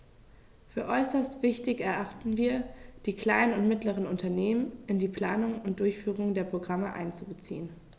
Für äußerst wichtig erachten wir, die kleinen und mittleren Unternehmen in die Planung und Durchführung der Programme einzubeziehen.